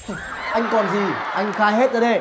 anh còn gì anh khai hết ra đi